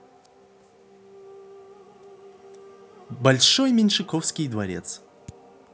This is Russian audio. большой меньшиковский дворец